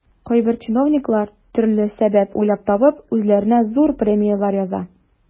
Кайбер чиновниклар, төрле сәбәп уйлап табып, үзләренә зур премияләр яза.